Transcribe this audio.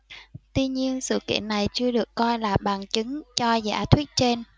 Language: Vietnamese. tuy nhiên sự kiện này chưa được coi là bằng chứng cho giả thuyết trên